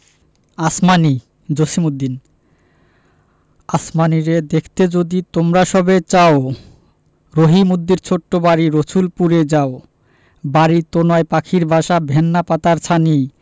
আসমানী জসিমউদ্দিন আসমানীরে দেখতে যদি তোমরা সবে চাও রহিমদ্দির ছোট্ট বাড়ি রসুলপুরে যাও বাড়িতো নয় পাখির বাসা ভেন্না পাতার ছানি